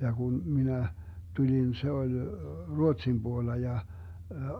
ja kun minä tulin se oli Ruotsin puolella ja